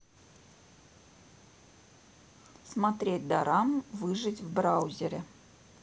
смотреть дораму выжить в браузере